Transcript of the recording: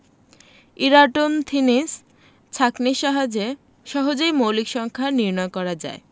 Eratosthenes ছাঁকনির সাহায্যে সহজেই মৌলিক সংখ্যা নির্ণয় করা যায়